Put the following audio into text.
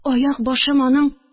Аяк башым аның